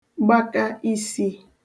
gbaka isī